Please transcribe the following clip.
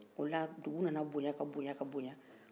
o la dugu nana boyan ka boyan ka boyan